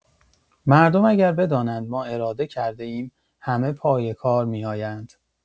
مردم اگر بدانند ما اراده کرده‌ایم همه پای کار می‌آیند.